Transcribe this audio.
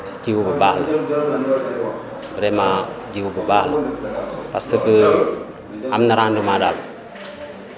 jiwu bu baax la vraiment jiwu bu baax la parce que am na re, ndement daal